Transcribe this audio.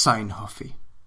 sai'n hoffi,